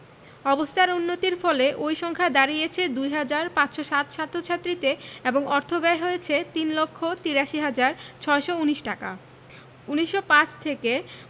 অবস্থার উন্নতির ফলে ওই সংখ্যা দাঁড়িয়েছে ২ হাজার ৫৬০ ছাত্রছাত্রীতে এবং অর্থব্যয় হয়েছে ৩ লক্ষ ৮৩ হাজার ৬১৯ টাকা ১৯০৫ থেকে